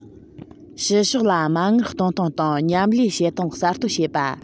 ཕྱི ཕྱོགས ལ མ དངུལ གཏོང སྟངས དང མཉམ ལས བྱེད སྟངས གསར གཏོད བྱེད པ